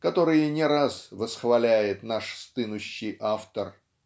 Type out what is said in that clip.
которые не раз восхваляет наш стынущий автор.